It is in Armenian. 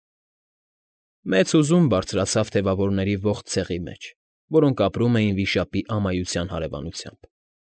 Մեծ հուզում բարձրացավ թևավորների ողջ ցեղի մեջ, որոնք ապրում էին վիշապի Ամայության հարևանությամբ։